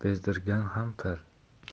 bezdirgan ham til